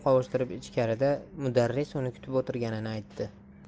qovushtirib ichkarida mudarris uni kutib o'tirganini aytdi